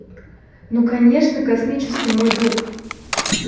ну конечно космический мой друг